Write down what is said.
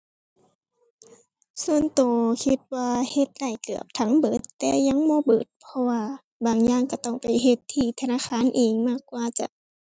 ส่วนตัวคิดว่าเฮ็ดได้เกือบทั้งเบิดแต่ยังบ่เบิดเพราะว่าบางอย่างตัวต้องไปเฮ็ดที่ธนาคารเองมากกว่าจ้ะ